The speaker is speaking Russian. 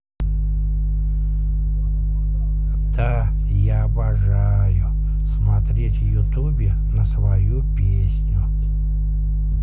да я обожаю смотреть youtube на свой песню